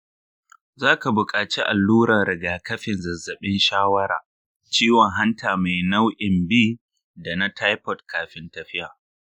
za ka buƙaci alluran rigakafin zazzabin shawara, ciwon hanta mai nau'in b, da na taifoid kafin tafiya.